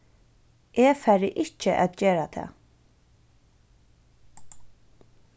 eg fari ikki at gera tað